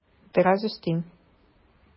Бераз өстим.